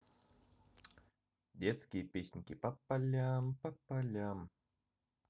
детские песенки по полям по полям